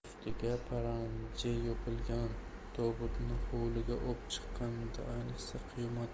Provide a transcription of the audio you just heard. ustiga paranji yopilgan tobutni hovliga opchiqishganida ayniqsa qiyomat bo'ldi